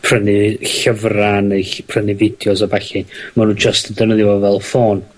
prynu llyfra' nu 'llu prynu fideos a ballu. Ma' nw jyst yn defnyddio fo fel ffôn.